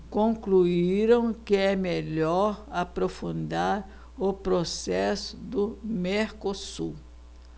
concluíram que é melhor aprofundar o processo do mercosul